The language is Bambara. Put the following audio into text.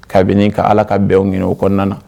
Kabini ka ala ka bɛn ɲini o kɔnɔna na